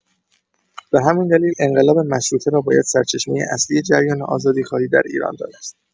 به همین دلیل انقلاب مشروطه را باید سرچشمه اصلی جریان آزادی‌خواهی در ایران دانست.